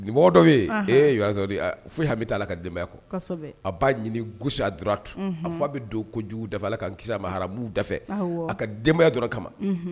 Mɔgɔ dɔzri fo hami bɛ' a la ka denbayaya kɔ a b'a ɲini gosisi dtu a f a bɛ don ko kojugu dafa la ka kisi a maharabufɛ a ka denbayaya dɔrɔn kama